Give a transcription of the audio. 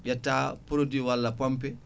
ƴetta produit walla pompe